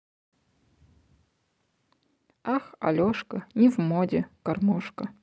эх алешка не в моде гармошка